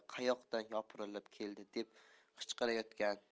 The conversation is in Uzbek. qayoqdan yopirilib keldi deb qichqirayotgan